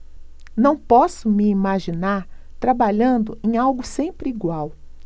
não posso me imaginar trabalhando em algo sempre igual